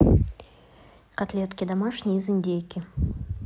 котлетки домашние из индейки